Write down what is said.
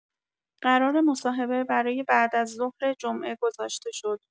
قرار مصاحبه برای بعدازظهر جمعه گذاشته شد.